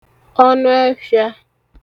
ọnụẹfhị̄ā